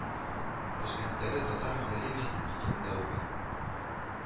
Ташкәнттәге Татар мәгариф институтында укый